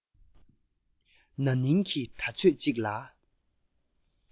ན ནིང གི ད ཚོད ཅིག ལ